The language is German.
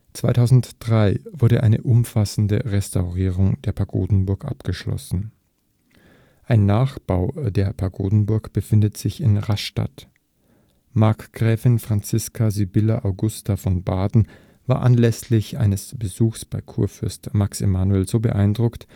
2003 wurde eine umfassende Restaurierung der Pagodenburg abgeschlossen. Ein Nachbau der Pagodenburg befindet sich in Rastatt. Markgräfin Franziska Sibylla Augusta von Baden war anlässlich eines Besuchs bei Kurfürst Max Emanuel so beeindruckt